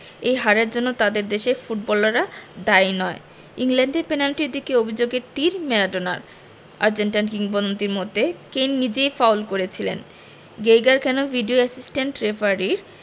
এই হারের জন্য তাদের দেশের ফুটবলাররা দায়ী নয় ইংল্যান্ডের পেনাল্টির দিকে অভিযোগের তির ম্যারাডোনার আর্জেন্টাইন কিংবদন্তির মতে কেইন নিজেই ফাউল করেছিলেন গেইগার কেন ভিডিও অ্যাসিস্ট্যান্ট রেফারির